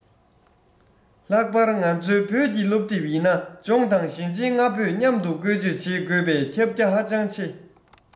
ལྷག པར ང ཚོའི བོད ཀྱི སློབ དེབ ཡིན ན ལྗོངས དང ཞིང ཆེན ལྔ བོས མཉམ དུ བཀོལ སྤྱོད བྱེད དགོས པས ཁྱབ རྒྱ ཧ ཅང ཆེ